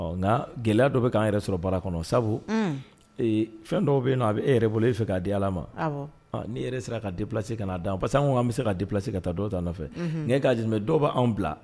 Ɔ nka gɛlɛya dɔ bɛ ka an yɛrɛ sɔrɔ baara kɔnɔ sabu unnn fɛn dɔw bɛ yen nɔ a bɛ e yɛrɛ bolo e bɛ fɛ k'a di Ala ma awɔ ɔ n'i yɛrɛ sera ka déplacer kanaa dan parce que an' ko k'an bɛ se ka déplacer ka taa dɔw ta nɔfɛ unhun mais e k'a jate minɛ dɔw bɛ an blaa